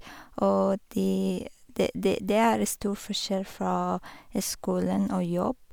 Og de det det det er stor forskjell fra skolen og jobb.